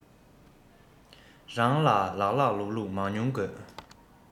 རང ལ ལགས ལགས ལུགས ལུགས མང ཉུང དགོས